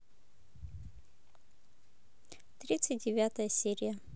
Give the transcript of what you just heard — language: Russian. тридцать девятая серия